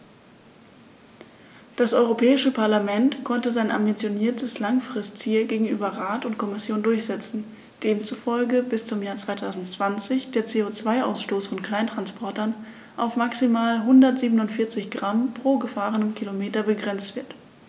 Das Europäische Parlament konnte sein ambitioniertes Langfristziel gegenüber Rat und Kommission durchsetzen, demzufolge bis zum Jahr 2020 der CO2-Ausstoß von Kleinsttransportern auf maximal 147 Gramm pro gefahrenem Kilometer begrenzt wird.